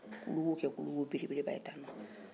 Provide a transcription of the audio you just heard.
tulowo kɛ tulowo belebeleba ye ten nɔ